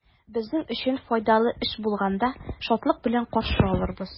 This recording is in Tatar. Безнең өчен файдалы эш булганда, шатлык белән каршы алырбыз.